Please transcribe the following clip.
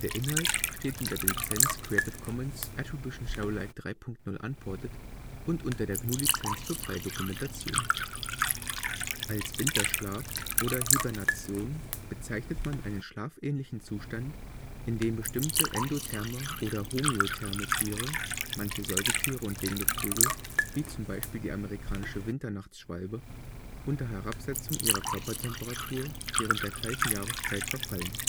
Inhalt steht unter der Lizenz Creative Commons Attribution Share Alike 3 Punkt 0 Unported und unter der GNU Lizenz für freie Dokumentation. Dieser Artikel beschreibt den Winterschlaf. Der türkische Film mit diesem Titel steht unter Winterschlaf (Film). Der europäische Igel hält einen andauernden Winterschlaf mit Unterbrechungen. Als Winterschlaf oder Hibernation bezeichnet man einen schlafähnlichen Zustand, in den bestimmte endotherme oder homoiotherme Tiere – manche Säugetiere und wenige Vögel wie z. B. die amerikanische Winternachtschwalbe – unter Herabsetzung ihrer Körpertemperatur während der kalten Jahreszeit verfallen